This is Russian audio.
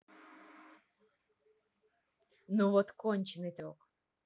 ну вот конченный торчок